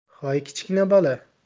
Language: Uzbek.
hoy kichkina bola